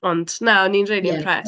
Ond na, o'n i'n rili... Ie. ...impressed.